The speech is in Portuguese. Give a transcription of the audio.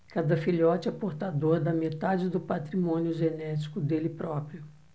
cada filhote é portador da metade do patrimônio genético dele próprio